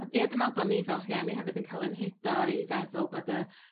A ie dwi me'wl bo' ni fel rhieni hefyd yn cael 'yn hudo i feddwl bod y